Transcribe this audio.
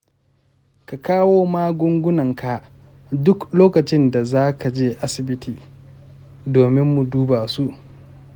ka kawo magungunan ka duk lokacin da za ka je asibiti domin mu duba su.